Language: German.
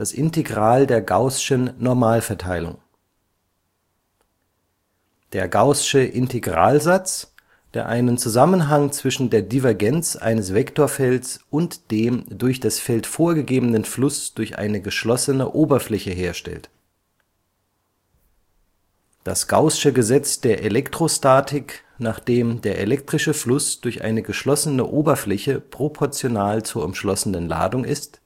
Integral der gaußschen Normalverteilung der gaußsche Integralsatz, der einen Zusammenhang zwischen der Divergenz eines Vektorfelds und dem durch das Feld vorgegebenen Fluss durch eine geschlossene Oberfläche herstellt das gaußsche Gesetz der Elektrostatik, nach dem der elektrische Fluss durch eine geschlossene Oberfläche proportional zur umschlossenen Ladung ist